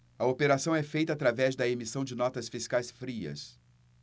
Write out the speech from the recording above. a operação é feita através da emissão de notas fiscais frias